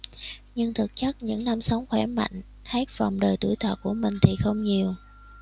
nhưng thực chất những năm sống khỏe mạnh hết vòng đời tuổi thọ của mình thì không nhiều